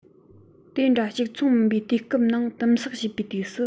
དེ འདྲ གཅིག མཚུངས མིན པའི དུས སྐབས ནང དིམ བསགས བྱས པའི དུས སུ